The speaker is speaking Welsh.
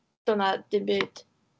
Doedd 'na ddim byd.